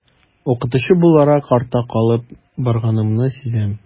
Укытучы буларак артта калып барганымны сизәм.